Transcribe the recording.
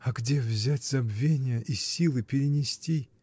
— А где взять забвения и силы перенести?